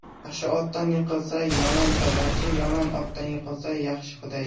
yaxshi otdan yiqilsa yomon tabachi yomon otdan yiqilsa yaxshi hudaychi